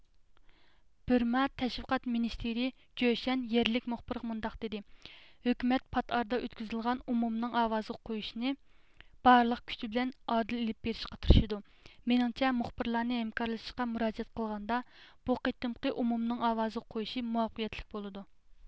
بىرما تەشۋىقات مىنىستىرى جۆشەن يەرلىك مۇخبىرغا مۇنداق دېدى ھۆكۈمەت پات ئارىدا ئۆتكۈزۈلىدىغان ئومۇمنىڭ ئاۋازىغا قويۇشىنى بارلىق كۈچى بىلەن ئادىل ئېلىپ بېرىشقا تىرىشىدۇ مېنىڭچە مۇخبىرلارنى ھەمكارلىشىشقا مۇراجىئەت قىلغاندا بۇ قېتىمقى ئومۇمنىڭ ئاۋازىغا قويۇشى مۇۋەپپەقىيەتلىك بولىدۇ